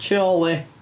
Chorley.